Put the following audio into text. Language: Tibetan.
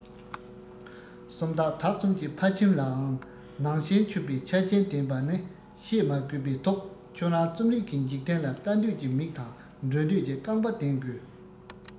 སུམ རྟགས དག གསུམ གྱི ཕ ཁྱིམ ལའང ནང བྱན ཆུབ པའི ཆ རྐྱེན ལྡན པ ནི བཤད མ དགོས པའི ཐོག ཁྱོད རང རྩོམ རིག གི འཇིག རྟེན ལ ལྟ འདོད ཀྱི མིག དང འགྲོ འདོད ཀྱི རྐང པ ལྡན དགོས